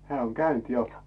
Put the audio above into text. hän on käynyt jo